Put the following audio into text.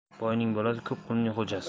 boyning bojasi ko'p qulning xo'jasi